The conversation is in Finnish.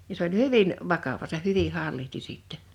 ja se oli hyvin vakava se hyvin hallitsi sitten